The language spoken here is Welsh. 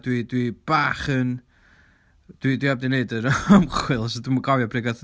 Dwi dwi bach yn... Dwi 'di heb 'di wneud yr ymchwil so dwi ddim yn cofio pryd gaeth...